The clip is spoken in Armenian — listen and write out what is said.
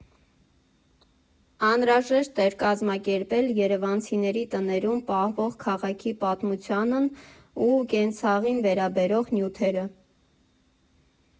Անհրաժեշտ էր կազմակերպել երևանցիների տներում պահվող քաղաքի պատմությանն ու կենցաղին վերաբերող նյութերը։